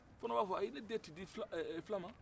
o fana b'a fɔ ee ne den tɛ di fula ma